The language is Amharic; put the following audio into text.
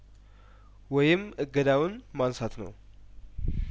ወይም እገዳውን ማንሳት ነው